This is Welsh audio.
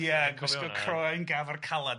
Ia, gwisgo croen gafr calad.